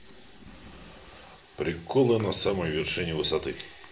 приколы на самой вершине высоты